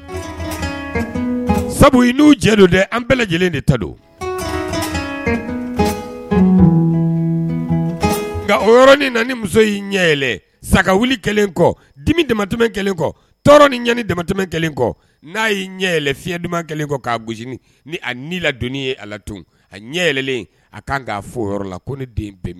Sabu n'u jɛ don dɛ an bɛɛ lajɛlen de ta don nka oɔrɔnin na muso y' ɲɛɛlɛ sagaka wuli kelen kɔ dimi damatɛmɛ kelen kɔ tɔɔrɔ ni ɲɛani damamɛ kelen kɔ n'a y ye ɲɛ yɛlɛ fiɲɛdiman kelen kɔ' a gosi ni ni ladonni ye ala la tun a ɲɛ yɛlɛ a ka kan k'a fɔ o yɔrɔ la ko ni den bɛ